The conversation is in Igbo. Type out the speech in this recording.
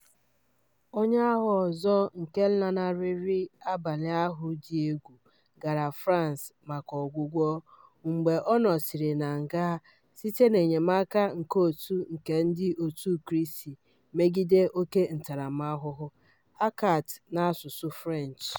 Onye agha ọzọ nke lanarịrị abalị ahụ dị egwu gara France maka ọgwụgwọ mgbe ọ nọsịrị na nga site n'enyemaka nke òtù nke Ndị Òtù Kristi Megide Óké Ntaramahụhụ (ACAT n'asụsụ Fụrenchị).